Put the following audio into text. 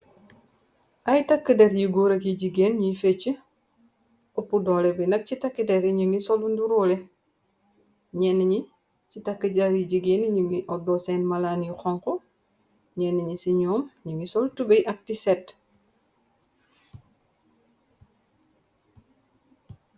Ay takk der yi góor ak yu jigéen ñuy fecc ëpp doolé bi nak ci takk der yi ñi ngi solu nduróole ñenn ñi ci takk jar yi jigéen ñi ngi oddoo seen malaani yu xonko ñenn ñi ci ñoom ñi ngi sol tubey ak ti set.